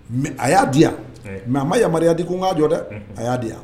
Mɛ a y'a di yan mɛ a ma yamaruyariya di n'a jɔ dɛ a y'a di yan